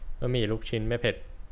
สั่งเป็นบะหมี่ต้มยำใส่ทุกอย่าง